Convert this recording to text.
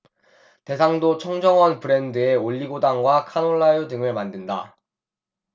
대상도 청정원 브랜드의 올리고당과 카놀라유 등을 만든다